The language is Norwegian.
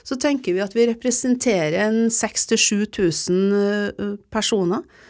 så tenker vi at vi representerer en seks til 7000 personer.